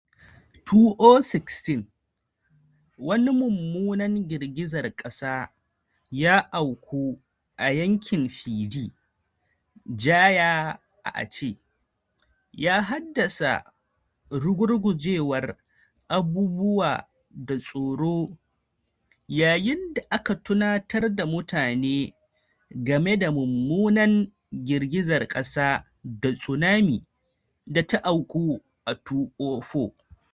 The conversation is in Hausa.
2016: Wani mummunan girgizar kasa ya auku a yankin Pidie Jaya a Aceh, ya haddasa rugurgujewar abubuwa da tsoro yayin da aka tunatar da mutane game da mummunan girgizar kasa da tsunami da ta auku a 2004.